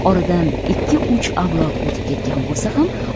oradan ikki uch avlod o'tib ketgan bo'lsa ham